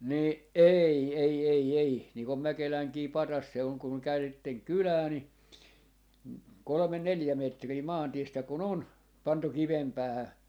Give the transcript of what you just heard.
niin ei ei ei ei niin kuin Mäkelänkin patsas se on kun käännytte kylään niin kolme neljä metriä maantiestä kun on pantu kiven päähän